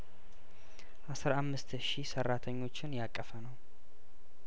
አስራ አምስት ሺ ሰራተኞችን ያቀፈ ነው